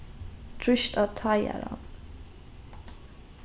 trýst á teigaran